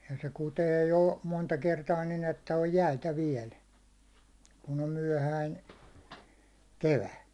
ja se kutee jo monta kertaa niin että on jäitä vielä kun on myöhäinen kevät